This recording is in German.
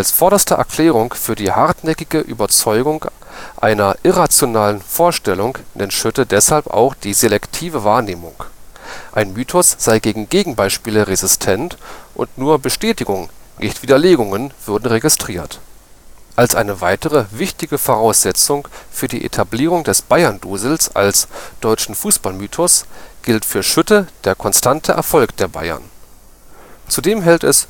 vorderste Erklärung für die „ hartnäckige Überzeugung einer irrationalen Vorstellung “nennt Schütte deshalb auch die selektive Wahrnehmung: Ein Mythos sei gegen Gegenbeispiele resistent und nur Bestätigungen, nicht Widerlegungen würden registriert. Als eine weitere wichtige Voraussetzung für die Etablierung des Bayern-Dusels als deutschen Fußballmythos gilt für Schütte der konstante Erfolg der Bayern. Zudem hält es